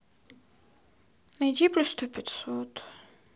найди плюс сто пятьсот